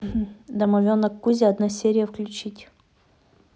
домовенок кузя одна серия включить